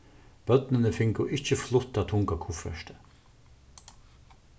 børnini fingu ikki flutt tað tunga kuffertið